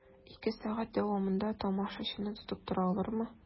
Ике сәгать дәвамында тамашачыны тотып тора алырмы?